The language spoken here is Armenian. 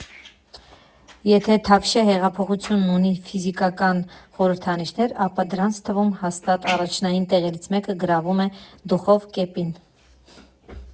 Եթե Թավշյա հեղափոխությունն ունի ֆիզիկական խորհրդանիշեր, ապա դրանց թվում հաստատ առաջնային տեղերից մեկը գրավում է «Դուխով» կեպին։